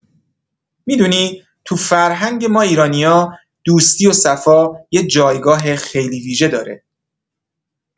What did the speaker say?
می‌دونی، تو فرهنگ ما ایرانیا، دوستی و صفا یه جایگاه خیلی ویژه داره.